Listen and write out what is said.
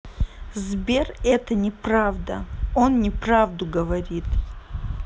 сбер это неправда он не правду говорит